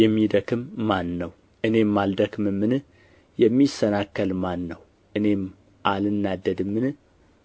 የሚደክም ማን ነው እኔም አልደክምምን የሚሰናከል ማን ነው እኔም አልናደድምን